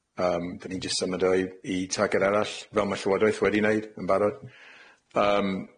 Yym 'dyn ni jyst symud o i i targed arall, fel ma' Llywodraeth wedi neud, yn barod. Yym